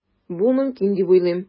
Бу мөмкин дип уйлыйм.